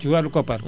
ci wàllu koppar